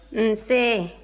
nse